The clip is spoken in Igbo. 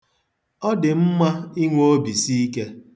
Ọ dị mma inwe obisiike.